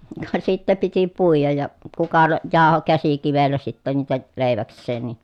ka sitten piti puida ja kuka ne jauhoi käsikivellä sitten niitä leiväkseen niin